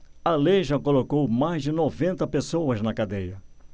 a lei já colocou mais de noventa pessoas na cadeia